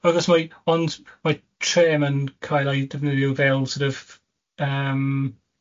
Achos mae... Ond mae trem yn cael ei defnyddio fel sor' of yym